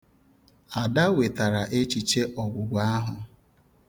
Ada wetara echiche ọgwụgwọ ahụ.